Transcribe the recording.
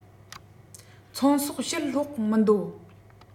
ཚོང ཟོག ཕྱིར སློག མི འདོད